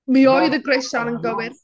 Mi oedd y grisial yn gywir.